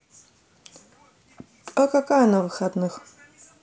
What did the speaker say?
а какая на выходных